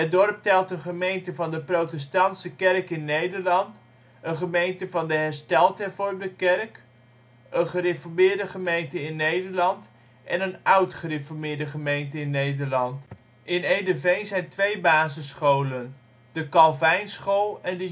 dorp telt een gemeente van de Protestantse Kerk in Nederland, een gemeente van de Hersteld Hervormde Kerk, een Gereformeerde Gemeente in Nederland en een Oud Gereformeerde Gemeente in Nederland. In Ederveen zijn twee basisscholen; de Calvijnschool en de